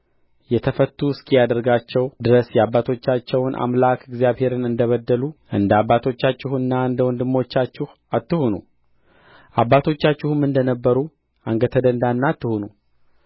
የተፈቱ እስኪያደርጋቸው ድረስ የአባቶቻቸውን አምላክ እግዚአብሔርን እንደ በደሉ እንደ አባቶቻችሁና እንደ ወንድሞቻችሁ አትሁኑ አባቶቻችሁም እንደ ነበሩ አንገተ ደንዳና አትሁኑ